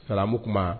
Salaamu kuma